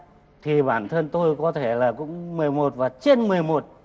thì bản thân tôi có thể là cũng mười một và trên mười một